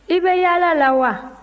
i bɛ yaala la wa